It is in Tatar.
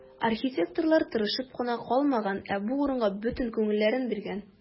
Архитекторлар тырышып кына калмаган, ә бу урынга бөтен күңелләрен биргән.